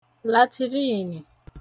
latirini